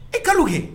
I ka kɛ